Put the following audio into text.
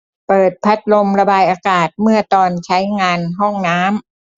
เปิดพัดลมระบายอากาศเมื่อตอนใช้งานห้องน้ำ